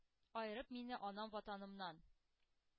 Аерып мине анам-Ватанымнан,